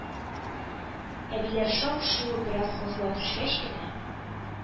Әбиләр шау-шуы бераз басыла төшкәч кенә,